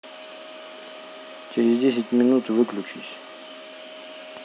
через десять минут выключись